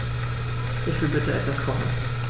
Ich will bitte etwas kochen.